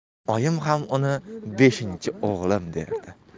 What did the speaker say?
oyim ham uni beshinchi o'g'lim derdi